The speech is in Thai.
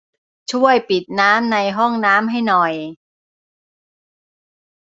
ช่วยปิดน้ำในห้องน้ำให้หน่อย